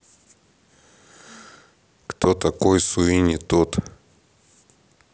кто такой суини тодд